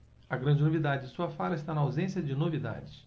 a grande novidade de sua fala está na ausência de novidades